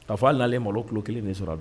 K'a fɔ n'ale ye malo kulo kelen de sɔrɔ